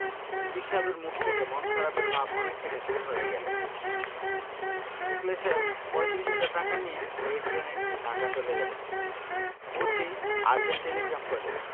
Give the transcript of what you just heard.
সিদ্দিক সাহেবের মুখ থেকে মন খারাপের ভাব অনেকখানি দূর হয়ে গেল মুখলেস সাহেব পয়ত্রিশ হাজার টাকা নিয়ে ভোরের ট্রেনে ঢাকা চলে গেলেন পৌছেই আর্জেন্ট টেলিগ্রাম করলেন